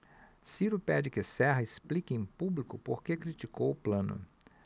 ciro pede que serra explique em público por que criticou plano